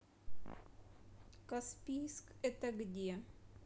каспийск это где